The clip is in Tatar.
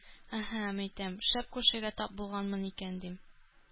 Әһә, мәйтәм, шәп күршегә тап булганмын икән, дим.